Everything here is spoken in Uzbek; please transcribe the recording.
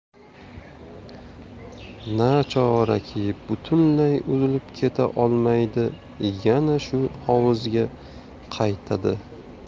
nachoraki butunlay uzilib keta olmaydi yana shu hovuzga qaytadi